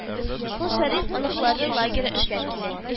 Кол Шәриф оныклары лагере эшләп килә